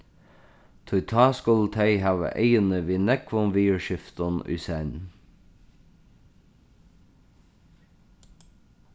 tí tá skulu tey hava eyguni við nógvum viðurskiftum í senn